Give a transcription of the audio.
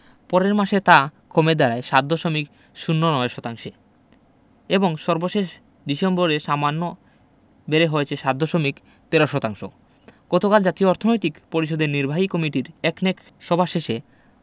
পরের মাসে তা কমে দাঁড়ায় ৭ দশমিক ০৯ শতাংশে এবং সর্বশেষ ডিসেম্বরে সামান্য বেড়ে হয়েছে ৭ দশমিক ১৩ শতাংশ গতকাল জাতীয় অর্থনৈতিক পরিষদের নির্বাহী কমিটির একনেক সভা শেষে